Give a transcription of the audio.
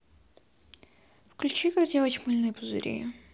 включи как делать мыльные пузыри